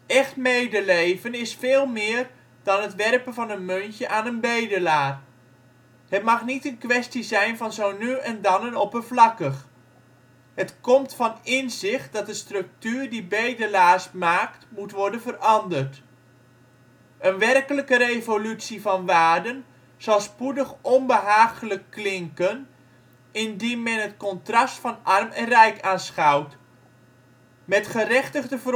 Echt medeleven is veel meer dan het werpen van een muntje aan een bedelaar; het mag niet een kwestie zijn van zo nu en dan en oppervlakkig. Het komt van inzicht dat de structuur die bedelaars maakt moet worden veranderd. Een werkelijke revolutie van waarden zal spoedig onbehaaglijk klinken indien men het contrast van arm en rijk aanschouwt. Met gerechtigde verontwaardiging